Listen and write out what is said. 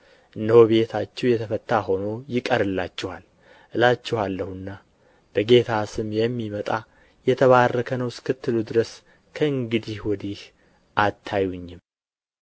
እነሆ ቤታችሁ የተፈታ ሆኖ ይቀርላችኋል እላችኋለሁና በጌታ ስም የሚመጣ የተባረከ ነው እስክትሉ ድረስ ከእንግዲህ ወዲህ አታዩኝም